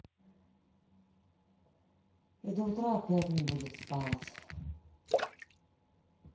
и до утра опять не будет спать